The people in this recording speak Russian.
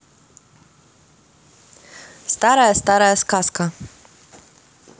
старая старая сказка